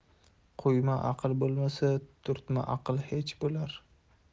quyma aql bo'lmasa turtma aql hech bo'lar